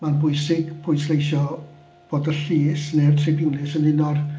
Mae'n bwysig pwysleisio bod y llys neu'r tribiwnlys yn un o'r...